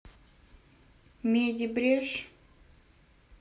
меди брешь